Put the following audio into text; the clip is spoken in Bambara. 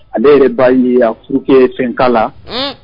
Ale yɛrɛ ba ye a furu fɛnka la